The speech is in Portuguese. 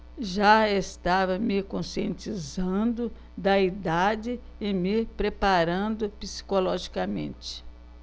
já estava me conscientizando da idade e me preparando psicologicamente